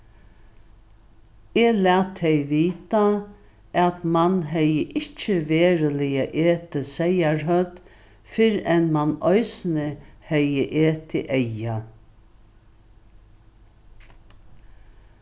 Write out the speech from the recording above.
eg lat tey vita at mann hevði ikki veruliga etið seyðarhøvd fyrr enn mann eisini hevði etið eygað